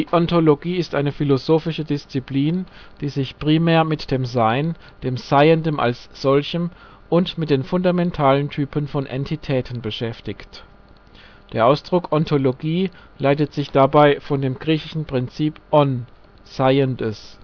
Ontologie ist eine philosophische Disziplin, die sich (primär) mit dem Sein, dem Seienden als solchem und mit den fundamentalen Typen von Entitäten beschäftigt. Der Ausdruck Ontologie leitet sich dabei von dem griechischen Partizip on (Seiendes